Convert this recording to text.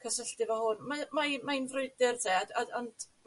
cysylltu 'fo hwn mae o mae mae'n frwydyr 'te a d- ond